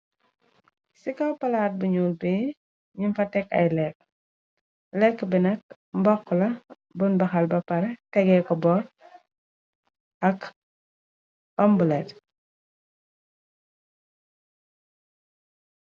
Ci kaw palaat bu ñuul bee ñuñ fa tekk ay lekk lekk bi nak mbokx la bun baxal ba pare tegee ko boor ak ombulet.